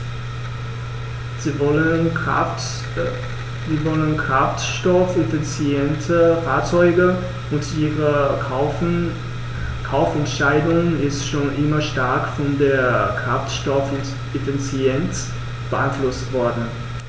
Sie wollen kraftstoffeffiziente Fahrzeuge, und ihre Kaufentscheidung ist schon immer stark von der Kraftstoffeffizienz beeinflusst worden.